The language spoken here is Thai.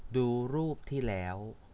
ดูรูปที่แล้ว